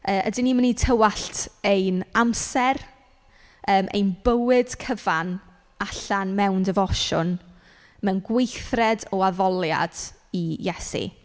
Yy ydyn ni'n mynd i tywallt ein amser, yym ein bywyd cyfan allan mewn defosiwn, mewn gweithred o addoliad i Iesu?